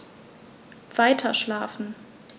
Weiterschlafen.